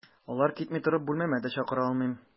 Алар китми торып, бүлмәмә дә чакыра алмыйм.